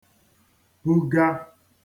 -buga